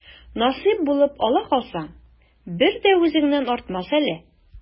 Насыйп булып ала калсаң, бер дә үзеңнән артмас әле.